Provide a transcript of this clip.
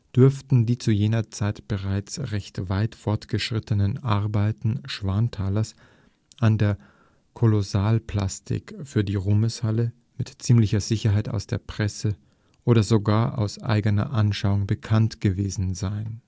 dürften die zu jener Zeit bereits recht weit fortgeschrittenen Arbeiten Schwanthalers an der Kolossalplastik für die Ruhmeshalle mit ziemlicher Sicherheit aus der Presse oder sogar aus eigener Anschauung bekannt gewesen sein